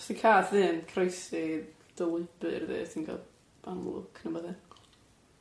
Os 'di cath ddu yn croesi dy lwybr di, ti'n ga'l bad lwc neu wbath ia?